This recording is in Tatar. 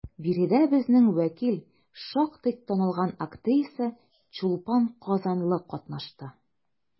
Биредә безнең вәкил, шактый танылган актриса Чулпан Казанлы катнашты.